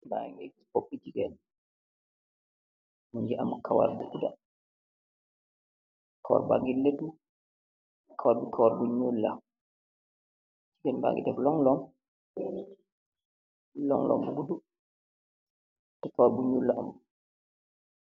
Maa ngi gis boopi jigéen. mungi am kawar bu guda, kawar baañgi leetu, kawar bi kawar bu ñuul Jigéen bi mungi takë long long bu gudu, të kawar bu ñuul la am.